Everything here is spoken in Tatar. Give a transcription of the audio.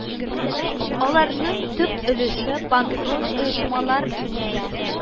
Аларның төп өлеше банкрот оешмалар иңендә